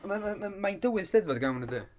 Mae'n mae'n mae'n mae'n dywydd 'Steddfod go iawn dydi?